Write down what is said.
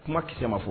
Kuma sɛ ma fo